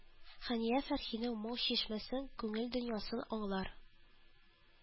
Хәния Фәрхинең моң чишмәсен, күңел дөньясын аңлар